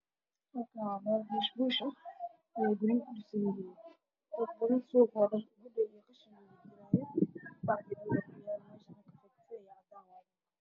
Waa meel xeeb banaan teendhooyin ayaa ku yaalla